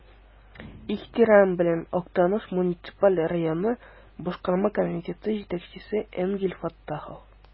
Ихтирам белән, Актаныш муниципаль районы Башкарма комитеты җитәкчесе Энгель Фәттахов.